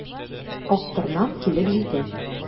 Актырнак килеп җитә.